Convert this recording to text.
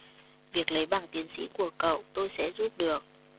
việc lấy bằng tiến sỹ của cậu tôi sẽ giúp được